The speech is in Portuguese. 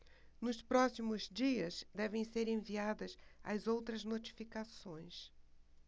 nos próximos dias devem ser enviadas as outras notificações